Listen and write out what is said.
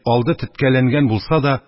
Алды теткәләнгән булса да,